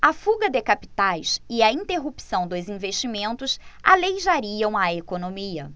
a fuga de capitais e a interrupção dos investimentos aleijariam a economia